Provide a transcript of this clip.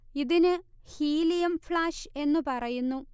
ഇതിനു helium flash എന്നു പറയുന്നു